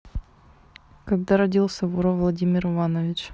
когда родился вора владимир иванович